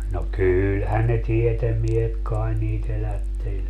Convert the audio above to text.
no kyllähän ne tiedemiehet kai niitä elätteli